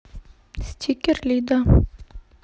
стикер lida